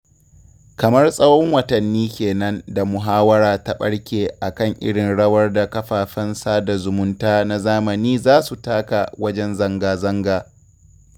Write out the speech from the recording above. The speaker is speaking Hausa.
Kamar tsawon watanni ke nan da muhawara ta ɓarke a kan irin rawar da kafafen sada zumunta na zamani za su taka wajen zanga-zanga.